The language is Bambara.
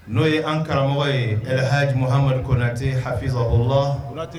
N'o ye an karamɔgɔ ye hajiha amadu kotɛ hasa o la